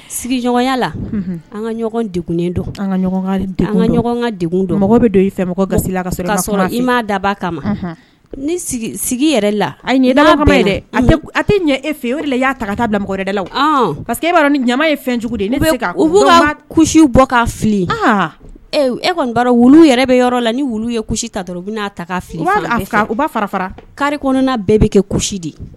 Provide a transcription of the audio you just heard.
Sigiya an kanen ka mɔgɔ bɛ don i i da kama sigi yɛrɛ la a a tɛ e fɛ o la y'a ta taa bila mɔgɔ dɛ la pa queseke e b'a ni ɲamama ye fɛnjugu de bɔ ka fili e kɔni wulu yɛrɛ bɛ yɔrɔ la ni wulu ye ta u bɛna ta fili u fara fara kari kɔnɔna bɛɛ bɛ kɛ ku de